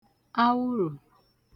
awụrụ̀